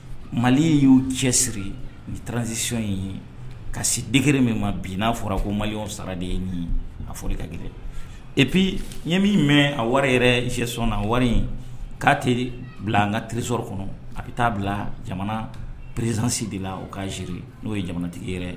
Mali y'o cɛ siri ni taararansisi ye ka sigɛrɛ min ma bin n'a fɔra ko mali sara de ye a fɔ ka g epi ɲɛ min mɛn a wari yɛrɛ sison na wari in k'a teri bila an ka terisi kɔnɔ a bɛ taa bila jamana perezsi de la o k' zri n'o ye jamana tigi yɛrɛ